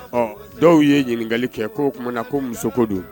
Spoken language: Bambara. Ɔ dɔw ye ɲininkali kɛ k' o k tumana na ko muso ko don